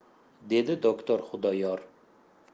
dedi doktor xudoyor